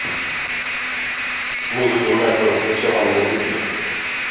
музыку нахуй раскачала мне быстро